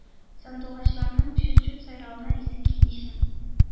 Сандугачларның чут-чут сайравына исе китмичә,